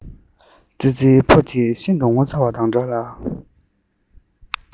ཙི ཙི ཕོ དེ ཤིན ཏུ ངོ ཚ བ དང འདྲ ལ